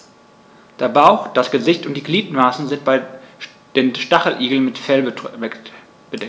Der Bauch, das Gesicht und die Gliedmaßen sind bei den Stacheligeln mit Fell bedeckt.